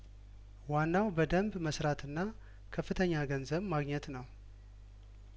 ዋናው በደንብ መስራትና ከፍተኛ ገንዘብ ማግኘት ነው